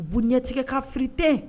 U bu ɲɛ tigɛ ka fin tɛ